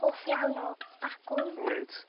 Hoff iawn o bacwn. Wyt.